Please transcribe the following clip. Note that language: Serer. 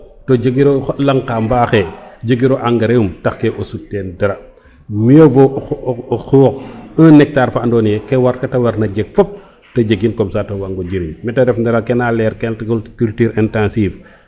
to jegiro laŋka mbaxe jegiro engrais um tax ke o sut ten dara mieux vaut o xoox un hectare ando naye kete warna jeg fop te jegin comme ca te waag ngo jiriñmete ref na kena leyel culture intensive